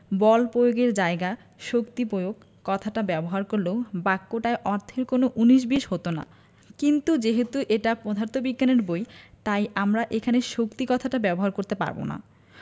বল পয়োগ এর জায়গায় শক্তি প্রয়োগ কথাটা ব্যবহার করলেও বাক্যটায় অর্থ কোনো উনিশ বিশ হতো না কিন্তু যেহেতু এটা পদার্থবিজ্ঞানের বই তাই আমরা এখানে শক্তি কথাটা ব্যবহার করতে পারব না